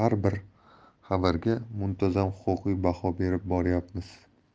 muntazam huquqiy baho berib boryapmiz